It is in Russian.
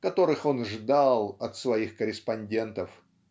которых он ждал от своих корреспондентов.